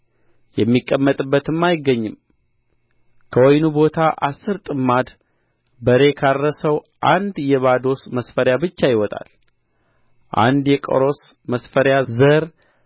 የሚቀመጥበትም አይገኝም ከወይኑ ቦታ አሥር ጥማድ በሬ ካረሰው አንድ የባዶስ መስፈሪያ ብቻ ይወጣል አንድ የቆሮስ መስፈሪያ ዘር